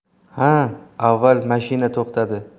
ha avval mashina to'xtadi